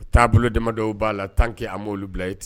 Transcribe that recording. U taabolo bolo dama dɔw b'a la tan kɛ a ma'olu bilayi ten